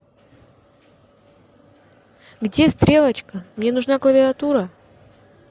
где стрелочка мне нужна клавиатура